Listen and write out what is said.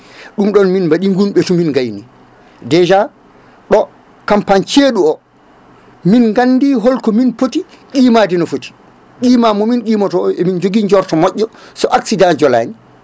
ɗum ɗon min mbaɗi ngun ɓesgu min gayni déjà ɗo campagne ceeɗu o min gandi holko komin poti qimade no foti qima momin qimoto emin jogui jorto moƴƴo so accident joolani